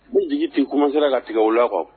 N jigi ti commencer ra ka tigɛ u la quoi